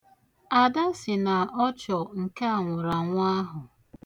Ada sị na ọ chọ nke anwụraanwụ ahụ.